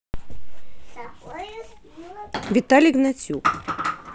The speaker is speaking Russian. виталий гнатюк